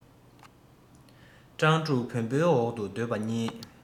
སྤྲང ཕྲུག བེམ པོའི འོག ཏུ སྡོད པ གཉིས